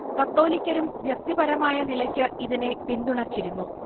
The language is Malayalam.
കത്തോലിക്കരും വ്യക്തിപരമായ നിലയ്ക്ക് ഇതിനെ പിന്തുണച്ചിരുന്നു